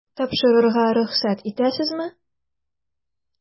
Тапшырырга рөхсәт итәсезме? ..